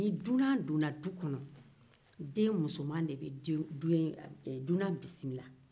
ni dunan donna du kɔnɔ de musoman de bɛ dunan bisimila